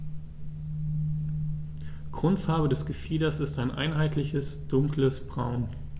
Grundfarbe des Gefieders ist ein einheitliches dunkles Braun.